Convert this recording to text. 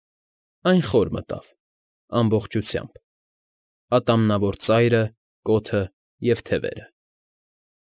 Այն խոր մտավ, ամբողջությամբ՝ ատամնավոր ծայրը, կոթը և թևերը։